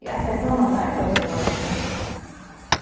eg ætli at koma til arbeiðis í morgin